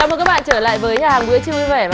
các bạn trở lại với nhà hàng bữa trưa vui vẻ